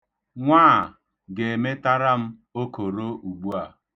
Nwa a ga-emetara m okoro ugbua.